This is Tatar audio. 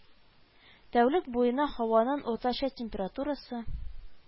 Тәүлек буена һаваның уртача температурасы